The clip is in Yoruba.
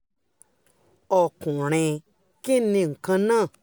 Ọkùnrin: ''Kínni ǹkan náà?''